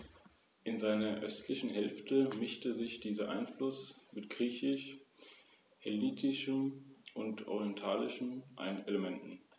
Ihr graubraunes bis schwarzes Fell kann je nach Art seidig-weich oder rau sein.